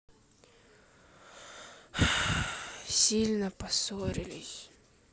сильно поссорились